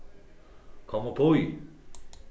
kom uppí